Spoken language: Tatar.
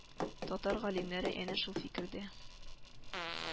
Татар галимнәре әнә шул фикердә